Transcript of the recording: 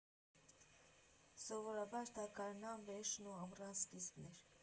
֊ Սովորաբար դա գարնան վերջն ու ամռան սկիզբն էր։